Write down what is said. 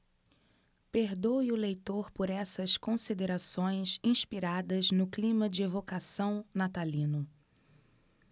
perdoe o leitor por essas considerações inspiradas no clima de evocação natalino